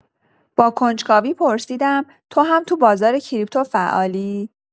با کنجکاوی پرسیدم: «تو هم تو بازار کریپتو فعالی؟»